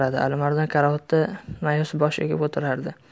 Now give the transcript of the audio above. alimardon karavotda ma'yus bosh egib o'tirardi